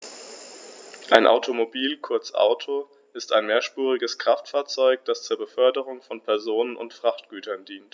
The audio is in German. Ein Automobil, kurz Auto, ist ein mehrspuriges Kraftfahrzeug, das zur Beförderung von Personen und Frachtgütern dient.